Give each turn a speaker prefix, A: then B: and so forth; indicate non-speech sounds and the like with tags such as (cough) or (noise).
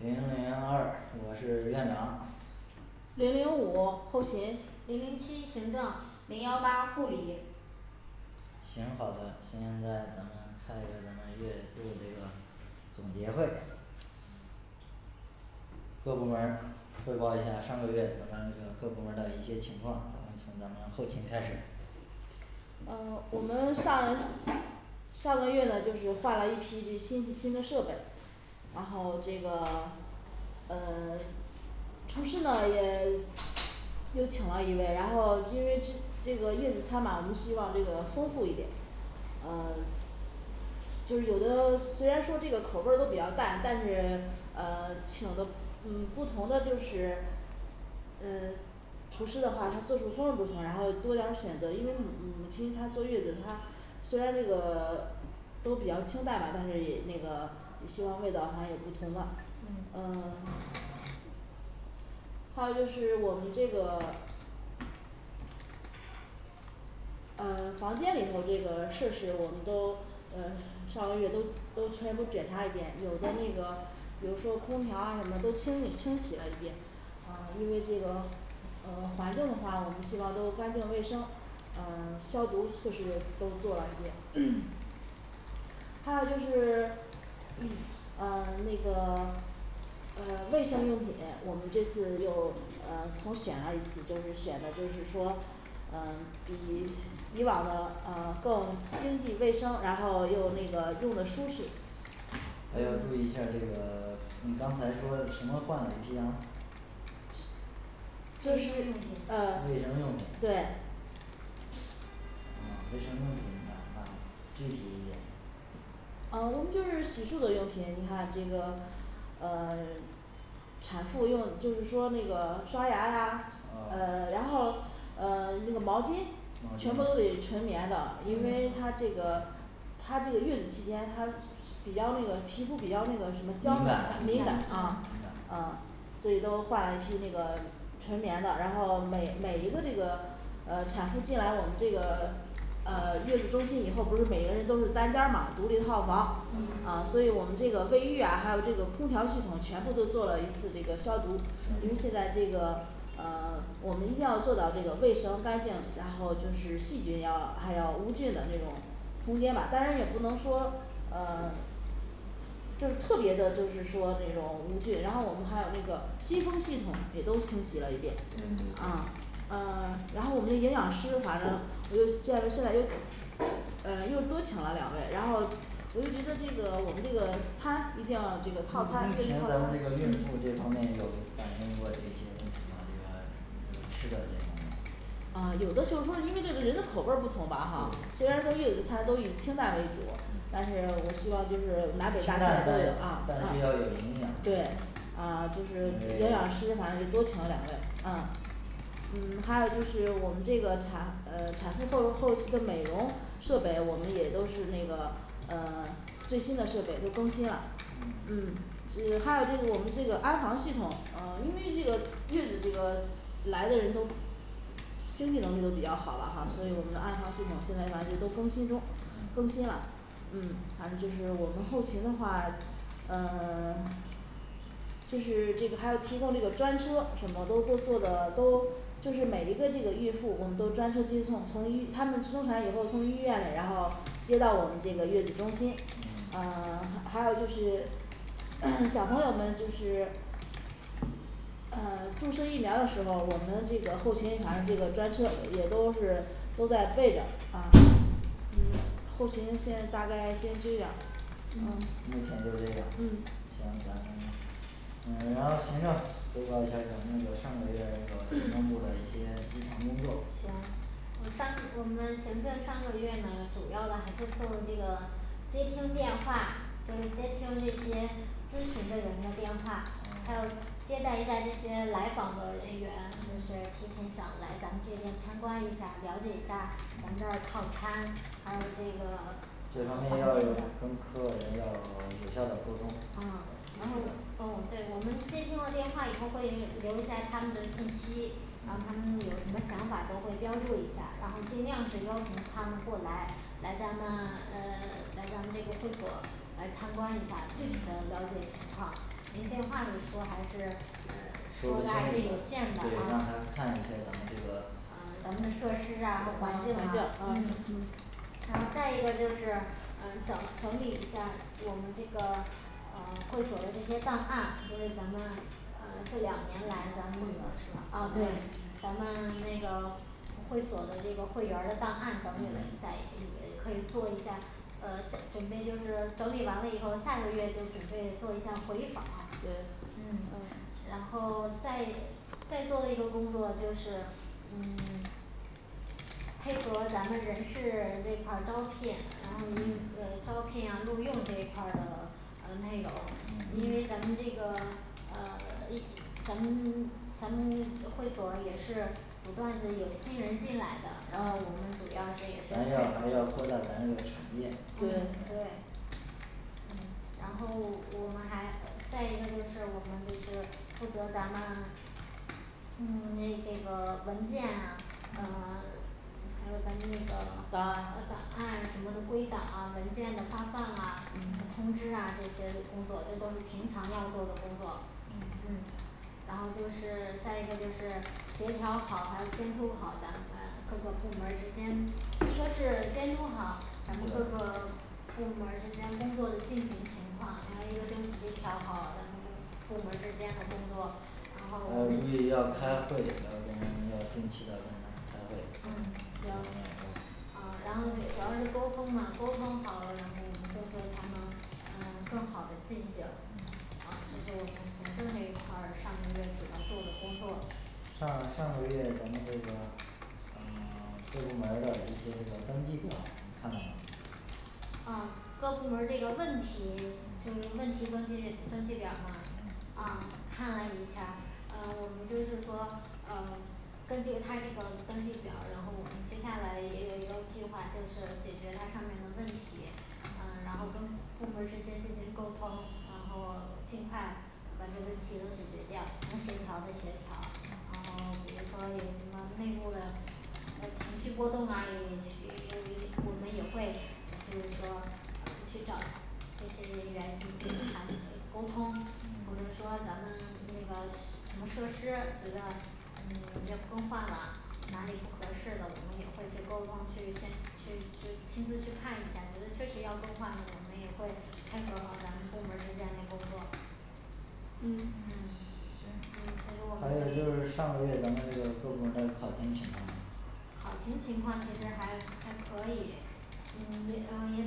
A: 零零二我是院长
B: 零零五后勤
C: 零零七行政
D: 零幺八护理
A: 行好的，现在咱们开一个月度的这个总结会&嗯&各部门儿汇报一下上个月咱们这个各部门儿的一些情况，咱们从咱们后勤开始
B: 呃我们上 (silence) 上个月呢就是换了一批这新新的设备然后这个 (silence) 呃 (silence) 厨师呢也 (silence) 又请了一位然后因为这这个月子餐嘛我们需要这个丰富一点呃 (silence) 就是有的 (silence) 虽然说这个口味儿都比较淡，但是 (silence) 呃请的嗯不同的就是呃厨师的话他做出多种口味儿，然后多点儿选择，因为母 (silence) 亲她坐月子她虽然那个 (silence) 都比较清淡吧，但是也那个 (silence) 希望味道它有不同的
C: 嗯
B: 呃 (silence) 还有就是我们这个 (silence) 呃房间里头这个设施，我们都呃上个月都都全部检查一遍，有的那个比如说空调啊什么的都清理清洗了一遍。啊因为这个呃环境的话我们希望都干净卫生，呃 (silence) 消毒措施都做了一遍 (crosstalk) 还有就是 (silence) (crosstalk) 呃那个 (silence) 呃卫生用品，我们这次又呃重选了一次就是选的就是说呃比以往的呃更经济卫生，然后又那个用的舒适
A: 大家注意下儿这个 (silence) 你刚才说的什么啊
B: 就
C: 卫
B: 是
C: 生用品
B: (silence) 呃
A: 卫生用品
B: 对
A: 啊卫生用品咱们再具体 (silence)
B: 啊我们就是洗漱的用品你看这个呃 (silence) 产妇用就是说那个刷牙呀
A: 啊
B: 呃然后呃那个毛巾
A: 毛
B: 全部都
A: 巾
B: 得纯棉的因为她
C: 嗯
B: 这
A: 嗯
B: 个她这个月子期间她比较那个皮肤比较那个什
A: 敏感皮肤
B: 么娇嫩敏
C: 敏
A: 敏
B: 感
C: 感啊
B: 啊
A: 感
B: 啊所以都换了一批那个纯棉的，然后每每一个这个呃产妇进来，我们这个 (silence) 啊月子中心以后不是每个人都是单间儿嘛独立套房
A: 嗯，
B: 啊
C: 嗯
B: 所以我们这个卫浴啊还有这种空调系统全部都做了一次这个消毒，因为现
C: 嗯
B: 在这个呃 (silence) 我们一定要做到这个卫生干净，然后就是细菌要还要无菌的那种空间吧，当然也不能说呃 (silence) 就是特别的就是说这种无菌，然后我们还有那个吸风系统也都清洗了一遍。
C: 嗯
B: 啊呃 (silence) 然后我们营养师啥的又现在现在又呃又多请了两位然后尤其是那个我们这个餐毕竟这个
A: 目
B: 套餐因为那
A: 前咱们这个孕妇这
B: (crosstalk)
A: 方面有反映过这些问题吗这个这个吃的这方面儿
B: 啊有的时候说因为这个人的口味儿不同吧哈，虽
A: 嗯
B: 然说月子餐都以清淡为主但是我们希望就是南北
A: 清
B: 大菜
A: 淡
B: 都有
A: 但
B: 啊
A: 但是要有
B: 啊
A: 营养这
B: 对
A: 方面
B: 啊就是营养师反
A: 因为
B: 正就多请了两位啊嗯还有就是我们这个产呃产妇后后期的美容设备，我们也都是那个呃 (silence) 最新的设备都更新了。嗯
A: 嗯
B: 这个还有就是我们这个安防系统，呃因为这个月子这个来的人都经济能力都比较好吧哈，所以我们
A: 对
B: 的安防系统现在吧都更新中更新了
A: 嗯
B: 嗯反正就是我们后勤的话呃 (silence) 就是 (silence) 这还要提供这个专车，什么都都做的都，就是每一个这个孕妇我们都专车接送，从医她们生产以后，从医院里然后接到我们这个月子中心，
A: 嗯
B: 呃 (silence) 还有就是 (crosstalk) 小朋友们就是 (silence) 呃 (silence) 注射疫苗的时候，我们这个后勤反正这个专车也都是都在备着啊嗯后勤现在大概先这样嗯
A: 目
D: 嗯
A: 前就这样
D: 嗯
A: 行咱们嗯然后行政汇报一下儿咱们的上个月的这个行政部的一些日常工作
C: 行我上我们行政上个月呢主要的还是做这个接听电话，就是接听这些咨询的人的电话还有接待一下这些来访的人员，就是提前想来咱们这边参观一下儿，了解一下儿咱们这儿套餐，还有这个 (silence)
A: 这方面
C: 环
A: 要有
C: 境
A: 跟
C: 的
A: 客人要 (silence) 有效的沟通咱
C: 啊然后
A: 们及时的
C: 嗯对我们接听了电话以后会留一下他们的信息，然后
A: 嗯
C: 他们有什么想法儿都会标注一下儿，然后尽量是邀请他们过来来咱们 (silence) 呃 (silence) 来咱们这个会所来参观一下儿具体的
A: 嗯
C: 了解情况，因为电话里说还是呃
A: 说
C: 说的还是有
A: 不清楚
C: 限的
A: 对让他
C: 啊
A: 看一下咱们这个
C: 啊咱们的设施啊
D: 呃
C: 和
D: 环
C: 环
D: 境
C: 境啊嗯
D: 呃
C: 然后再一个就是呃整整理一下儿，我们这个呃会所的这些档案，就是咱们呃这两年来咱
D: 咱
C: 们
D: 们会员儿是吧
C: 啊对咱们那个会所的这个会员儿的档案整理了一下，也也可以做一下呃下 (unintelligible) 准备就是，整理完了以后下个月就准备做一下回访
D: 对
C: 嗯然后 (silence) 再呃再做的一个工作就是嗯 (silence) 配合咱们人事这块儿招聘，然后与呃
A: 嗯
C: 招聘啊录用这一块儿的呃内容
A: 嗯
C: 因为咱们这个呃 (silence) 一咱们 (silence) 咱们 (silence) 会所也是不断的有新人儿进来的，然后我们主要这也是
A: 咱要还
C: 配合
A: 要扩大咱这个产业
C: 嗯
D: 对
C: 对嗯然后我们还呃再一个就是我们就是负责咱们嗯诶这个文件啊呃 (silence) 还有咱们这个 (silence)
D: 档
C: 呃档
D: 案
C: 案什么的归档文件的发放啊
A: 嗯
C: 通知啊这些工作，这都是平常要做的工作嗯然后就是再一个就是协调好，还有监督好咱们呃各个部门儿之间一个是监督好咱们各个
A: 对
C: 部门儿之间工作的进行情况，来一个协调好咱们工部门儿之间的工作然后
A: 还
C: 我
A: 要注
C: 们
A: 意要开会要跟要定期的跟他开会这方
C: 嗯
A: 面要沟通
C: 行啊然后这主要是沟通上沟通好了，然后我们工作才能嗯更好的进行
A: 嗯
C: 啊这是我们行政这一块儿上个月主要做的工作
A: 上上个月咱们这个呃 (silence) 各部门儿的一些这个登记表儿你看了吗这个
C: 啊各部门儿这个问题就是问题登记登记表吗，
A: 嗯嗯
C: 啊看了一下儿啊我们就是说呃根据他这个登记表，然后我们接下来也有一个计划，就是解决它上面的问题，呃然后跟部门儿之间进行沟通，然后 (silence) 尽快把这问题都解决掉，能协调的协调。然后比如说有什么内部的呃情绪波动啊，也是也 (silence) 也我们也会嗯就是说我们去找这些人员进行谈呃沟通，或者
A: 嗯
C: 说咱们那个设 (unintelligible) 什么设施这个嗯 (silence) 要更换了哪里不合适的，我们也会去沟通，去先去去亲自去看一下儿，觉得确实要更换了，我们也会配合好咱们部门儿之间嘞工作嗯嗯
A: 行还
C: 这
A: 有
C: 是我
A: 就
C: 们
A: 是
C: 这个
A: 上个月咱们这个各部门儿的考勤情况
C: 考勤情况其实还还可以嗯也嗯也